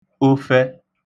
ofẹ